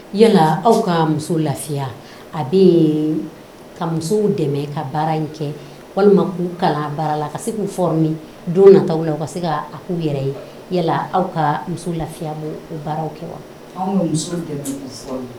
Yala aw ka muso lafiya a bɛ ka musow dɛmɛ ka baara in kɛ walima k'u kala baara la ka se k'u min don taa la ka se ka k'u yɛrɛ ye aw ka muso lafiya baaraw kɛ wa